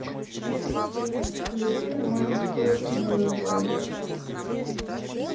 включи нормальную скорость и не вырубай